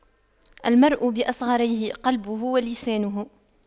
المرء بأصغريه قلبه ولسانه